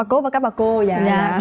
cố và các bà cô dạ dạ